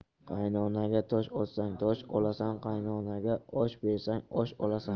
qaynonaga tosh otsang tosh olasan qaynonaga osh bersang osh olasan